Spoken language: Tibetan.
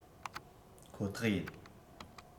ཁོ ཐག ཡིན